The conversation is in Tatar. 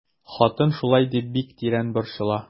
Хатын шулай дип бик тирән борчыла.